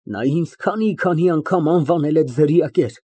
Նա ինձ մի քանի անգամ անվանել է ձրիակեր։